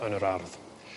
yn yr ardd.